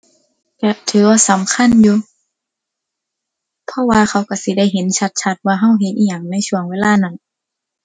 ก็ถือว่าสำคัญอยู่ เพราะว่าเขาก็สิได้เห็นชัดชัดว่าก็เฮ็ดอิหยังในช่วงเวลานั้น